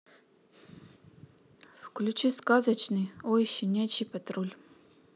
включи сказочный ой щенячий патруль